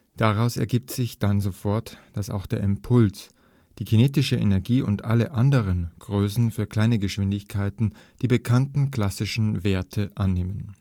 Daraus ergibt sich dann sofort, dass auch der Impuls, die kinetische Energie und alle anderen Größen für kleine Geschwindigkeiten die bekannten klassischen Werte annehmen